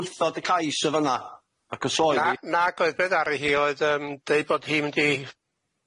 wrthod y cais o fynna ac os oedd hi Nag nag oedd bydd aru hi oedd yym deud bod hi mynd i